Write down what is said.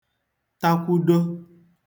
takwụdo